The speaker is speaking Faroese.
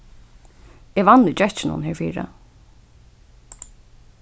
eg vann í gekkinum herfyri